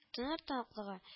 Донор таныклыгы